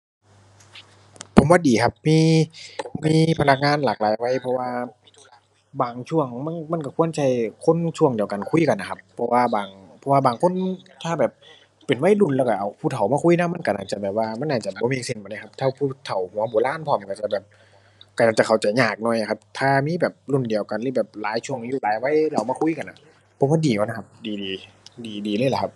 ผมว่าดีครับ มี มีพนักงานหลากหลายวัย เพราะว่าบางช่วงมัน มันก็ควรใช้คนช่วงเดียวกันคุยกันอะครับ เพราะว่าบาง เพราะว่าบางคนถ้าแบบเป็นวัยรุ่นแล้วก็เอาผู้เฒ่ามาคุยนำ มันก็น่าจะแบบว่า มันน่าจะบ่ make sense ปานใดครับ ถ้าผู้เฒ่าหัวโบราณพร้อมก็จะแบบ ก็น่าจะเข้าใจยากหน่อยอะครับ ถ้ามีแบบรุ่นเดียวกันหรือแบบ หลายช่วงอายุ หลายวัย แล้วเอามาคุยกันอะ ผมว่าดีกว่านะครับ ดีดี ดี ดีเลยล่ะครับ